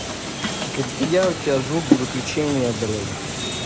так это я у тебя звук до выключения блядь